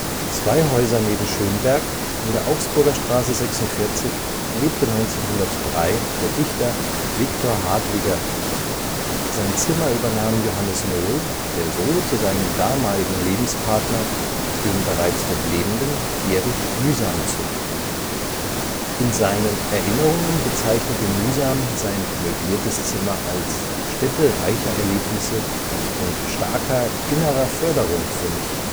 Zwei Häuser neben Schönberg, in der Augsburger Straße 46, lebte 1903 der Dichter Victor Hadwiger, sein Zimmer übernahm Johannes Nohl, der so zu seinem damaligen Lebenspartner, dem bereits dort lebenden Erich Mühsam zog. In seinen Erinnerungen bezeichnete Mühsam sein möbliertes Zimmer als „ Stätte reicher Erlebnisse und starker innerer Förderung für mich